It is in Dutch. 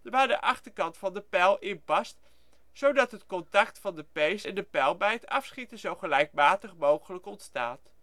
waar de achterkant van de pijl in past, zodat het contact van de pees en de pijl bij het afschieten zo gelijkmatig mogelijk ontstaat